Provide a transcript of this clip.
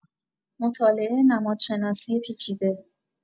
مطالعه نمادشناسی پیچیده